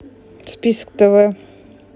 список тв